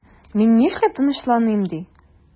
Мин нишләп тынычланыйм ди?